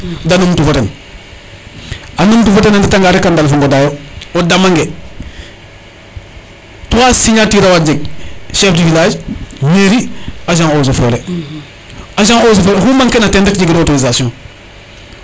de numtu fo den a numtu fo den a ndeta nga rek a ndalfo ŋoda yo o dama nge trois signature a war jeg chef du village mairie agent eaux et foret agent eaux et foret oxu manquer ne ten rek jegiro autorisation